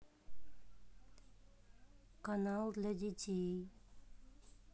канал для детей